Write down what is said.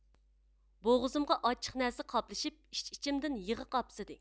بوغۇزۇمغا ئاچچىق نەرسە قاپلىشىپ ئىچ ئىچىمدىن يىغا قاپسىدى